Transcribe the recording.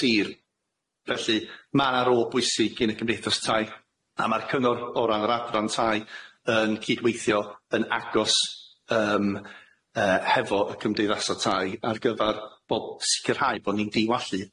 Sir felly ma' rôl bwysig gin y cymdeithas tai a ma'r cyngor o ran yr adran tai yn cydweithio yn agos yym yy hefo y cymdeithasau tai ar gyfar bo- sicirhau bo' ni'n diwallu